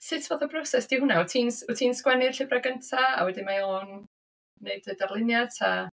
Sut fath o broses 'di hwnna? Wyt ti'n wyt ti'n sgwennu'r llyfrau gynta a wedyn mae o'n neud y darluniau ta?